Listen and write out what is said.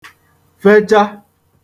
fecha